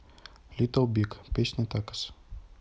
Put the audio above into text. литл биг песня такос